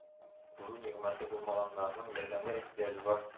Күрү нигъмәте булмаганнарның ярдәмгә ихтыяҗы бар